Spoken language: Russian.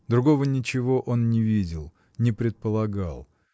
Другого ничего он не видел, не предполагал.